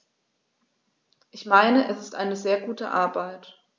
Ich meine, es ist eine sehr gute Arbeit.